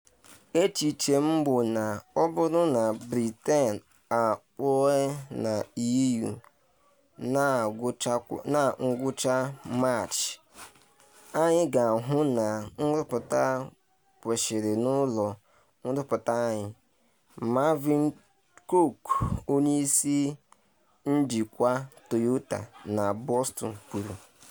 “Echiche m bụ na ọ bụrụ na Britain apụọ na EU na ngwucha Maachị, anyị ga-ahụ na nrụpụta kwụsịrị n’ụlọ nrụpụta anyị” Marvin Cooke onye isi njikwa Toyota na Burnaston kwuru.